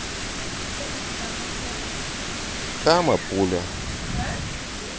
кама пуля